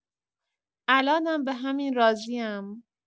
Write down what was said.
الانم به همین راضی‌ام.